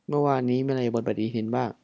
เมื่อวานมีอะไรอยู่บนปฎิทินบ้าง